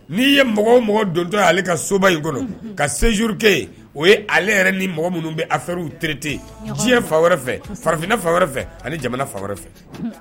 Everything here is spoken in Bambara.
N' ye mɔgɔ o mɔgɔ dontɔ ye ale ka soba in kɔnɔ ka sinjuruke ye o ye ale yɛrɛ ni mɔgɔ minnu bɛ a fɛrw tirete diɲɛ fa wɛrɛ fɛ farafinina fa wɛrɛ fɛ ani jamana fa wɛrɛ fɛ